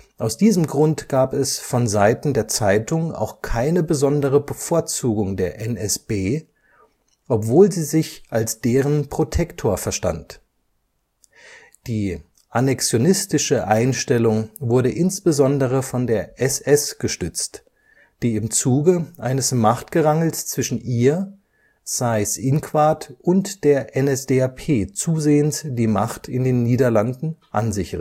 Aus diesem Grund gab es vonseiten der Zeitung auch keine besondere Bevorzugung der NSB, obwohl sie sich als deren Protektor verstand. Die annexionistische Einstellung wurde insbesondere von der SS gestützt, die im Zuge eines Machtgerangels zwischen ihr, Seyß-Inquart und der NSDAP zusehends die Macht in den Niederlanden an sich